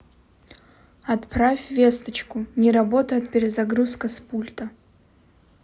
отправь весточку не работает перезагрузка с пульта